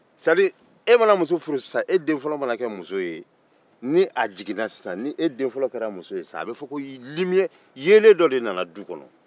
i denfɔlɔ mana kɛ muso ye sisan a bɛ ko yeelen dɔ nana so kɔnɔ